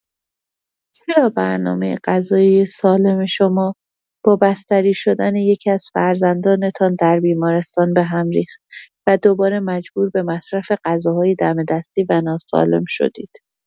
چرا برنامه غذایی سالم شما، با بستری‌شدن یکی‌از فرزندانتان در بیمارستان به هم ریخت و دوباره مجبور به مصرف غذاهای دم‌دستی و ناسالم شدید.